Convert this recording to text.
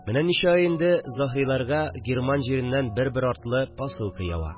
Менә ничә ай инде Заһриларга герман җиреннән бер-бер артлы посылка ява